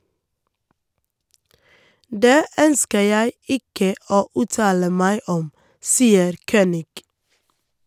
- Det ønsker jeg ikke å uttale meg om, sier Kønig.